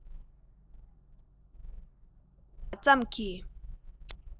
སློབ གྲོགས ཀྱིས